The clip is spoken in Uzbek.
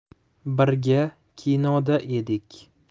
birga kinoda edik